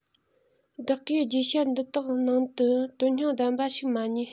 བདག གིས རྒྱས བཤད འདི དག ནང དུ དོན སྙིང ལྡན པ ཞིག མ རྙེད